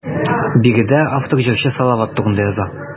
Биредә автор җырчы Салават турында яза.